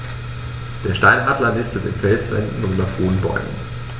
Der Steinadler nistet in Felswänden und auf hohen Bäumen.